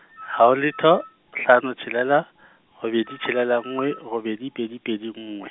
haho letho, hlano tshelela, robedi tshelela nngwe, robedi pedi pedi nngwe.